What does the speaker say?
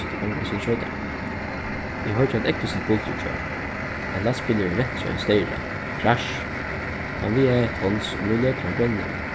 so tað gongur eitt sindur skjótari eg hoyrdi eitt ógvusligt buldur í gjár ein lastbilur hevði rent seg á ein steyra krassj hann vigaði eitt tons og nú lekur hann brennievni